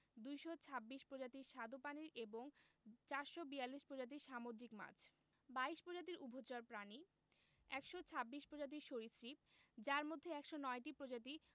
২২৬ প্রজাতির স্বাদু পানির এবং ৪৪২ প্রজাতির সামুদ্রিক মাছ ২২ প্রজাতির উভচর প্রাণী ১২৬ প্রজাতির সরীসৃপ যার মধ্যে ১০৯টি প্রজাতি